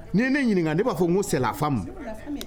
N'i ye ne ɲininka ne de b'a fɔ ko salafamu